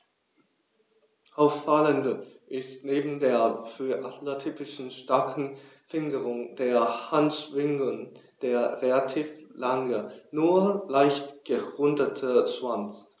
Auffallend ist neben der für Adler typischen starken Fingerung der Handschwingen der relativ lange, nur leicht gerundete Schwanz.